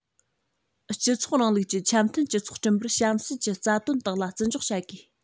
སྤྱི ཚོགས རིང ལུགས ཀྱི འཆམ མཐུན སྤྱི ཚོགས སྐྲུན པར གཤམ གསལ གྱི རྩ དོན དག ལ བརྩི འཇོག བྱ དགོས